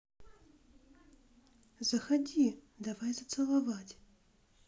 заходи давай зацеловать